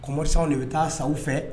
Commerçants de bɛ taa san u fɛ